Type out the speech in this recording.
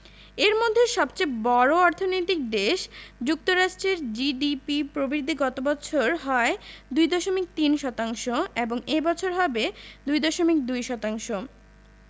এর মধ্যে সবচেয়ে বড় অর্থনৈতিক দেশ যুক্তরাষ্ট্রের জিডিপি প্রবৃদ্ধি গত বছর হয় ২.৩ শতাংশ এবং এ বছর হবে ২.২ শতাংশ